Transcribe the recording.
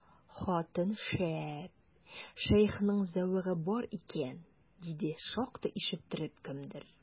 Хатын шәп, шәехнең зәвыгы бар икән, диде шактый ишеттереп кемдер.